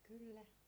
kyllä